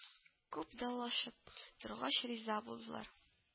Күп даулашып торгач, риза булдылар